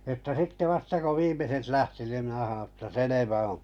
että sitten vasta kun viimeiset lähti niin minä sanoin että selvä on